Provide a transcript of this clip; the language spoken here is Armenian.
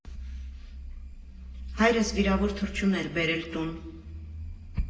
Հայրս վիրավոր թռչուն էր բերել տուն։